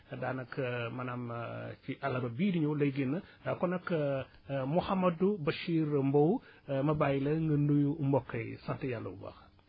daanaka maanaam ci àllarba bii di ñëw lay génn kon nag Mouhamadou Bachir Mbow ma bàyyi la nga nuyu mbokk yi sant yàlla bu baax